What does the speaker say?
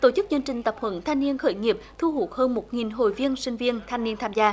tổ chức chương trình tập huấn thanh niên khởi nghiệp thu hút hơn một nghìn hội viên sinh viên thanh niên tham gia